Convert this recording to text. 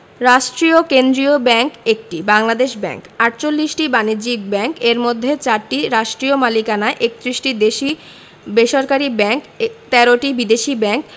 রাষ্ট্রীয় কেন্দ্রীয় ব্যাংক ১টি বাংলাদেশ ব্যাংক ৪৮টি বাণিজ্যিক ব্যাংক এর মধ্যে ৪টি রাষ্ট্রীয় মালিকানায় ৩১টি দেশী বেসরকারি ব্যাংক ১৩টি বিদেশী ব্যাংক